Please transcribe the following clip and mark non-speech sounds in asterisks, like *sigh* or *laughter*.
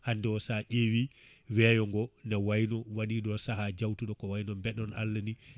hande o sa ƴewi *breath* weeyogo ne wayno waɗiɗo saaha jawtuɗo ko wayno beɗon Allah ni *breath*